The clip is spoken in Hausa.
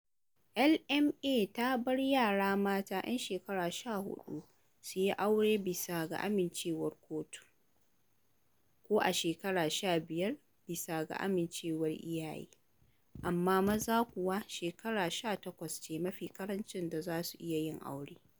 LMA ta bar yara mata 'yan shekara 14 su yi aure bisa ga amincewar kotu, ko a shekara 15 bisa ga amincewar iyaye, amma maza kuwa shekara 18 ce mafi ƙaranci da za su iya yin aure.